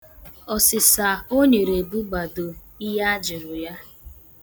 Ọsịsa o nyere bụgbado ihe ajụrụ ya.